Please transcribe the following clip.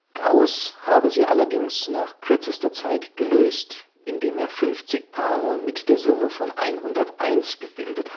Gauß habe sie allerdings nach kürzester Zeit gelöst, indem er 50 Paare mit der Summe 101 gebildet